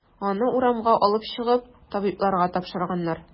Аны урамга алып чыгып, табибларга тапшырганнар.